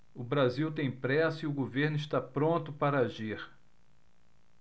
o brasil tem pressa e o governo está pronto para agir